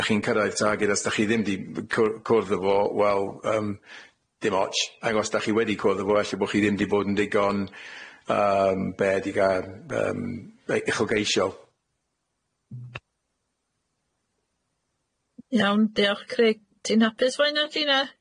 'Dach chi'n cyrraedd targed os 'dach chi ddim 'di cw- cwrdd a fo wel yym dim ots ag os 'dach chi wedi cwrdd a fo ella bo' chi ddim 'di bod yn digon yym be' gair yym ei- uchelgeisiol. Iawn, diolch Craig. Ti'n hapus 'fo hynna, Jina?